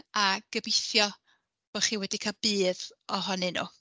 A gobeithio bod chi wedi cael budd ohonyn nhw.